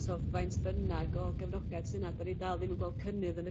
t'o' faint bynnag o gefnogaeth sy 'na 'dyn ni dal ddim yn gweld cynnydd yn y